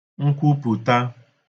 nkwupùta